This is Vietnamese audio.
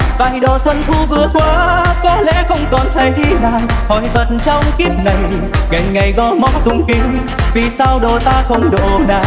vài độ thu xuân vừa qua có lẽ không còn thấy nàng hỏi phật trong kiếp này ngày ngày gõ mõ tụng kinh vì sao độ ta không độ nàng